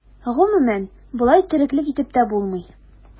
Гомумән, болай тереклек итеп тә булмый.